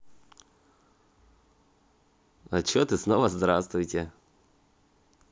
а че ты снова здравствуйте